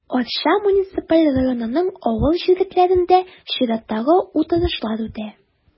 Арча муниципаль районының авыл җирлекләрендә чираттагы утырышлар үтә.